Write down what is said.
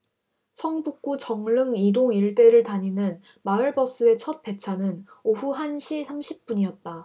성북구 정릉 이 동 일대를 다니는 마을버스의 첫 배차는 오후 한 시 삼십 분이었다